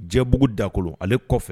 Jɛbugu dakolo ale kɔfɛ